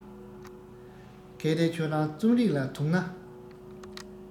གལ ཏེ ཁྱོད རང རྩོམ རིག ལ དུངས ན